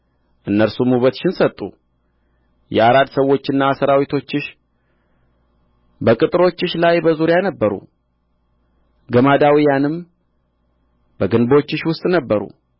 እነርሱም ውበትሽን ሰጡ የአራድ ሰዎችና ሠራዊቶችሽ በቅጥሮችሽ ላይ በዙሪያ ነበሩ ገማዳውያንም በግንቦችሽ ውስጥ ነበሩ